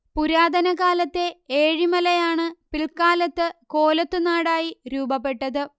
പുരാതന കാലത്തെ ഏഴിമലയാണ് പിൽക്കാലത്ത് കോലത്തുനാടായി രൂപപ്പെട്ടത്